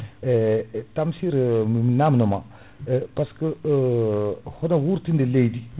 e Tamsie mi namdoma par ce que % hoto wurtinde leydi